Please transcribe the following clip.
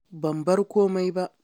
“Ban bar komai ba.”